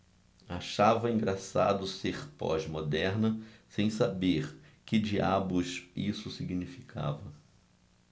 achava engraçado ser pós-moderna sem saber que diabos isso significava